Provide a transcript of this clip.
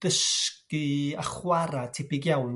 dysgu a chwara' tebyg iawn